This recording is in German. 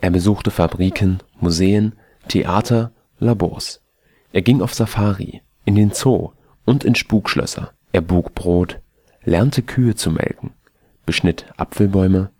besuchte Fabriken, Museen, Theater, Labors. Er ging auf Safari, in den Zoo und in Spukschlösser. Er buk Brot, lernte Kühe zu melken, beschnitt Apfelbäume